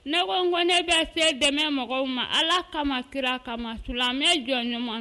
Ne ko n ko ne bɛ se dɛmɛ mɔgɔw ma Ala kama kira kama silamɛ jɔnɲuman